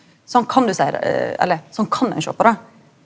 sånn kan du seie det eller sånn kan ein sjå på det.